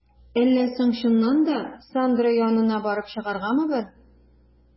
Әллә соң чыннан да, Сандра янына барып чыгаргамы бер?